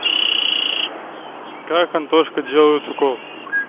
как антошка делают укол